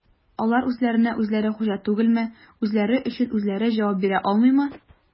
Алар үзләренә-үзләре хуҗа түгелме, үзләре өчен үзләре җавап бирә алмыймы?